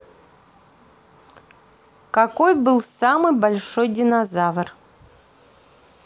какой был самый большой динозавр